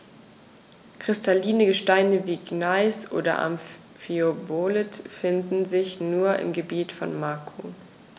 Kristalline Gesteine wie Gneis oder Amphibolit finden sich nur im Gebiet von Macun.